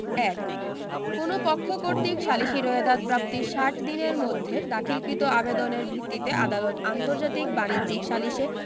১ কোন পক্ষ কর্তৃক সালিসী রোয়েদাদ প্রাপ্তির ষাট দিনের মধ্যে দাখিলকৃত আবেদনের ভিত্তিতে আদালত আন্তর্জাতিক বাণিজ্যিক সালিসে